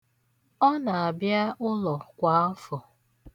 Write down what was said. Ọ na-abịa ụlọ kwa afọ.